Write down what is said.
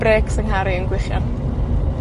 brêcs 'yng nghar i yn gwichian.